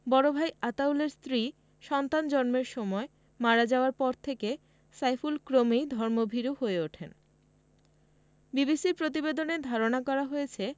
বড় ভাই আতাউলের স্ত্রী সন্তান জন্মের সময় মারা যাওয়ার পর থেকে সাইফুল ক্রমেই ধর্মভীরু হয়ে ওঠেন বিবিসির প্রতিবেদনে ধারণা করা হয়েছে